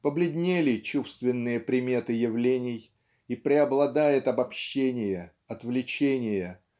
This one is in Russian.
побледнели "чувственные приметы" явлений и преобладает обобщение отвлечение